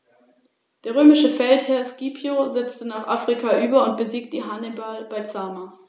Das rhöntypische offene, strukturreiche Grünland mit hoher Biotopwertigkeit fällt größtenteils in die Pflegezone.